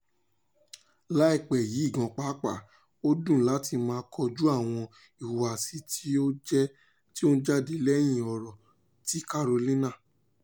Láìpẹ́ yìí gan-an pàápàá, ó dunni láti máa kojú àwọn ìhùwàsí tí ó ń jáde lẹ́yìn ọ̀rọ̀ ti Carolina...